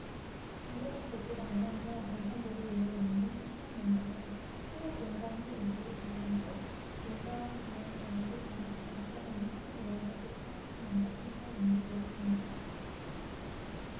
김무성 대표도 안 나오면 공천 보류 예외 없는 현역 면접에 숨은 공관위 의도이한구 공관위원장에게 전화를 걸어서 오늘 현역 의원까지 참여시킨 면접심사의 의미를 물었습니다